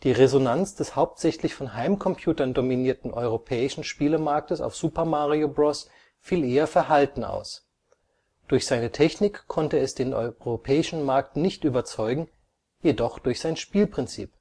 Resonanz des hauptsächlich von Heimcomputern dominierten europäischen Spielemarktes auf Super Mario Bros. fiel eher verhalten aus. Durch seine Technik konnte es den europäischen Markt nicht überzeugen, jedoch durch sein Spielprinzip